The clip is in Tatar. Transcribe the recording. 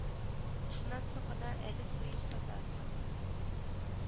Шуннан соң гына әле суеп сатасың